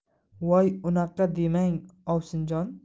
voy unaqa demang ovsinjon